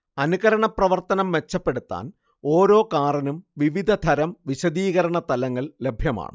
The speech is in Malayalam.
അനുകരണ പ്രവർത്തനം മെച്ചപ്പെടുത്താൻ ഓരോ കാറിനും വിവിധ തരം വിശദീകരണ തലങ്ങൾ ലഭ്യമാണ്